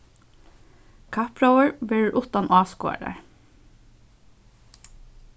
kappróður verður uttan áskoðarar